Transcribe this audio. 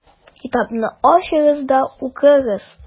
Китапны ачыгыз да укыгыз: